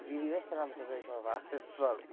Fydd hi byth yn amser dweud hwyl fawr i'r troli.